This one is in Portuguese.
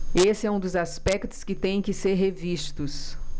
esse é um dos aspectos que têm que ser revistos